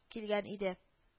Килгән иде